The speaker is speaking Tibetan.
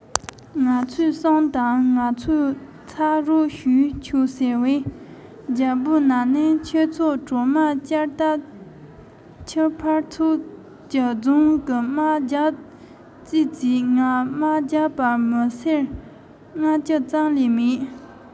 ང ཚོར གསུངས དངང ཚོས ཕྱག རོགས ཞུས ཆོག ཟེར བར རྒྱལ པོས ན ནིང ཁྱེད ཚོས གྲོ མ བསྐྱལ སྟབས ཆུ ཕར ཕྱོགས ཀྱི རྫོང གིས དམག བརྒྱབ རྩིས བྱེད ང དམག བརྒྱབ པར མི སེར ལྔ བཅུ ཙམ ལས མེད